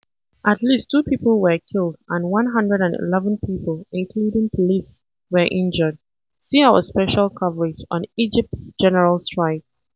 At least two people were killed and 111 people – including police – were injured (See our special coverage on Egypt's General Strike).